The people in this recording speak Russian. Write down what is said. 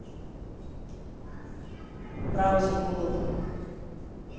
браузер google